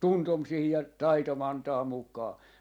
tuntoni siihen ja taitoni antaa mukaan